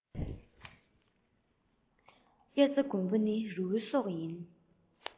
དབྱར རྩྭ དགུན འབུ ནི རི བོའི སྲོག ཡིན